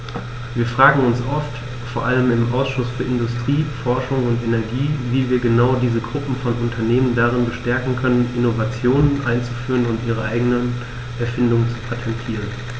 Wir fragen uns oft, vor allem im Ausschuss für Industrie, Forschung und Energie, wie wir genau diese Gruppe von Unternehmen darin bestärken können, Innovationen einzuführen und ihre eigenen Erfindungen zu patentieren.